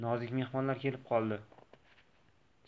nozik mehmonlar kelib qoldi